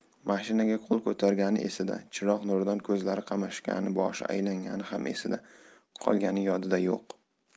mashinaga qo'l ko'targani esida chiroq nuridan ko'zlari qamashgani boshi aylangani ham esida qolgani yodida yo'q